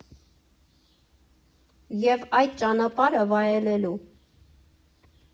ԵՒ այդ ճանապարհը վայելելու։